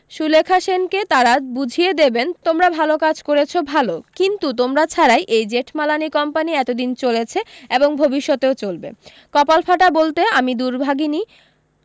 সুলেখা সেনকে তারা বুঝিয়ে দেবেন তোমরা ভালো কাজ করেছ ভালো কিন্তু তোমরা ছাড়াই এই জেঠমালানি কোম্পানী এত দিন চলেছে এবং ভবিষ্যতেও চলবে কপাল ফাটা বলতে আমি দুর্ভাগিনী